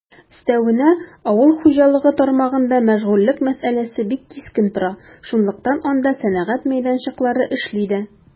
Өстәвенә, авыл хуҗалыгы тармагында мәшгульлек мәсьәләсе бик кискен тора, шунлыктан анда сәнәгать мәйданчыклары эшли дә.